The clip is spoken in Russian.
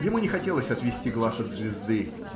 Ему не хотелось отвести глаз от звезды.